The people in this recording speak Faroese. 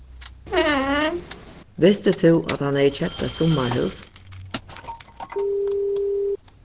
visti tú at hann hevði keypt eitt summarhús